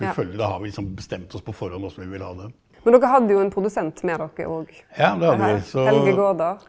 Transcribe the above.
ja, men dokker hadde jo ein produsent me dokker òg i det her, Helge Gaarder.